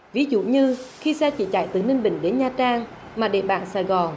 ví dụ như khi xe chỉ chạy tuyến ninh bình đến nha trang mà địa bàn sài gòn